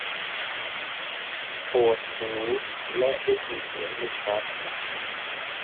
ปวดหูและได้ยินเสียงไม่ชัด